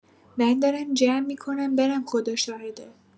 من دارم جمع می‌کنم برم خدا شاهده.